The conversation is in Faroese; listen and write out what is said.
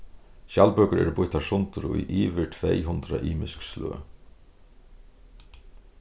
skjaldbøkur eru býttar sundur í yvir tvey hundrað ymisk sløg